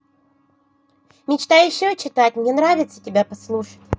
мечтаю еще читать мне нравится тебя послушать